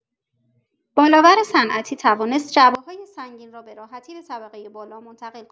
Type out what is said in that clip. بالابر صنعتی توانست جعبه‌های سنگین را به راحتی به طبقه بالا منتقل کند.